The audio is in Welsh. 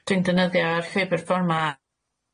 llwybyr ffor' ma,